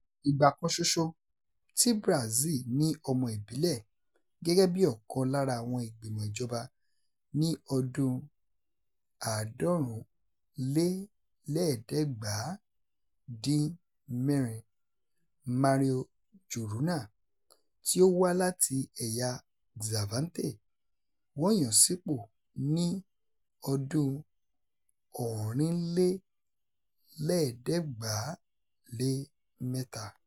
Ìgbà kan ṣoṣo tí Brazil ní ọmọ ìbílẹ̀ gẹ́gẹ́ bí ọkàn lára àwọn ìgbìmọ̀ ìjọba ni ọdún-un 1986 — Mario Juruna, tí ó wá láti ẹ̀yà Xavante, wọ́n yàn án sípò ní ọdún-un 1983.